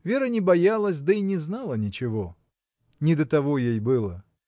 Вера не боялась, да и не знала ничего. Не до того ей было.